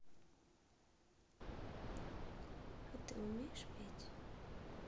а ты умеешь петь